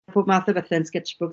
pob math o bethe yn sketchbooks...